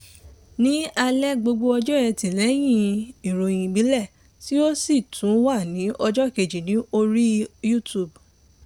Ní alẹ́ gbogbo ọjọ́ Ẹtì lẹ́yìn ìròyìn ìbílẹ̀, tí ó sì tún wà ní ọjọ́ kejì ní orí YouTube).